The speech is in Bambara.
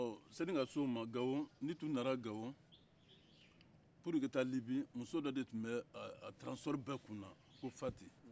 ɔ sanni ka se o ma gawo n'i tun nana gawo pour que i ka taa libi muso dɔ de tun b'o transport bɛɛ kun na ko fati